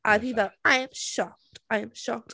A oedd hi fel, "I am shocked, I am shocked."